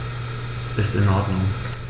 Ist in Ordnung.